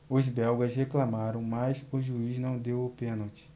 os belgas reclamaram mas o juiz não deu o pênalti